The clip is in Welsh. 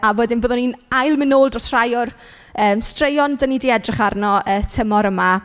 A wedyn bydden ni'n ail mynd nôl dros rhai o'r yym straeon dan ni 'di edrych arno y tymor yma.